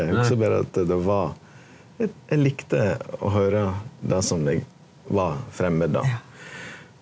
eg hugsar berre at det var eg likte å høyre det som var framand då.